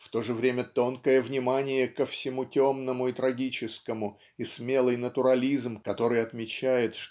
в то же время тонкое внимание ко всему темному и трагическому и смелый натурализм который отмечает